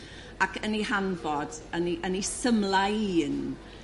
Ac yn 'i hanfod yn 'i yn 'i symlai un